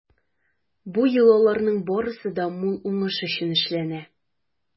Бу йолаларның барысы да мул уңыш өчен эшләнә.